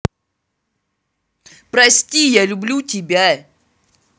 прости я люблю тебя